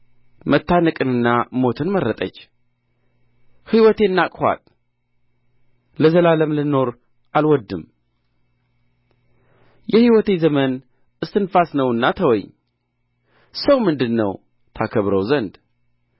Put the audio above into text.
መታነቅንና ሞትን መረጠች ሕይወቴን ናቅኋት ለዘላለም ልኖር አልወድድም የሕይወቴ ዘመን እስትንፋስ ነውና ተወኝ ሰው ምንድር ነው ታከብረው ዘንድ